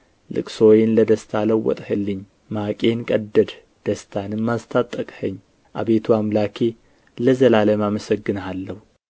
ልቅሶዬን ለደስታ ለወጥህልኝ ማቄን ቀድደህ ደስታንም አስታጠቅኸኝ አቤቱ አምላኬ ለዘላለም አመሰግንሃለሁ